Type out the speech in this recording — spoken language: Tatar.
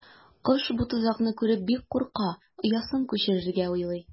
Кош бу тозакны күреп бик курка, оясын күчерергә уйлый.